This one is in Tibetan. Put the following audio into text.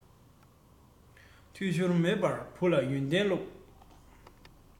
འཐུས ཤོར མེད པར བུ ལ ཡོན ཏན སློབས